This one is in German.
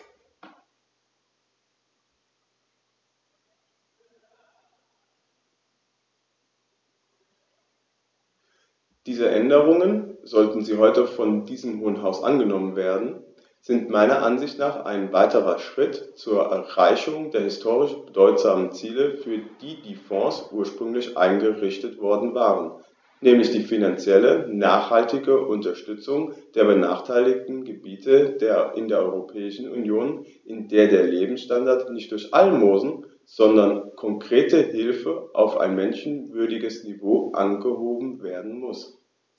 Diese Änderungen, sollten sie heute von diesem Hohen Haus angenommen werden, sind meiner Ansicht nach ein weiterer entscheidender Schritt zur Erreichung der historisch bedeutsamen Ziele, für die die Fonds ursprünglich eingerichtet worden waren, nämlich die finanziell nachhaltige Unterstützung der benachteiligten Gebiete in der Europäischen Union, in der der Lebensstandard nicht durch Almosen, sondern konkrete Hilfe auf ein menschenwürdiges Niveau angehoben werden muss.